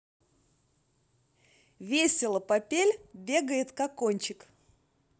весело попель бегает кокончик